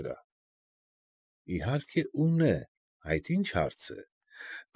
Վրա։ Իհարկե, ունե, այդ ի՞նչ հարց է։